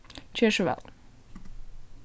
ger so væl